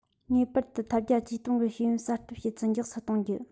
ངེས པར དུ ཐབས བརྒྱ ཇུས སྟོང གིས ཤེས ཡོན གསར གཏོད བྱེད ཚད མགྱོགས སུ གཏོང རྒྱུ